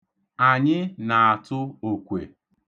Anyị na-atụ okwe.